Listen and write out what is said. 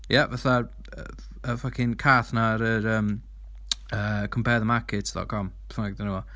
Ia, fatha'r fucking cath 'na ar yr yym, yy comparethemarket.com, beth bynnag 'di enw fo.